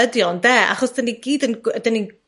ydi o ynde? Achos 'dyn ni gyd yn gw- 'dan ni'n